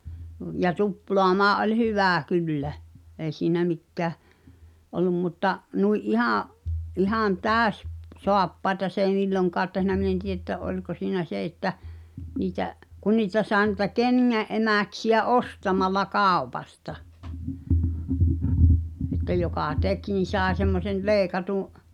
ja tuplaamaan oli hyvä kyllä ei siinä mikään ollut mutta noin ihan ihan - täyssaappaita se ei milloinkaan tehnyt minä en tiedä että oliko siinä se että niitä kun niitä sai niitä kengän emäksiä ostamalla kaupasta että joka teki niin sai semmoisen leikatun